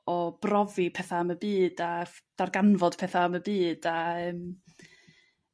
o brofi petha' am y byd a ff- darganfod petha' am y byd a yrm...